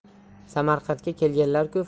samarqandga kelganlar ku farg'ona